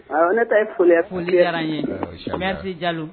Aa ne ta ye foli ye. Foli diyara an ye,. . Ɛɛ, Inch'Allah . Merci Jalo.